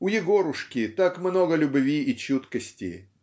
У Егорушки так много любви и чуткости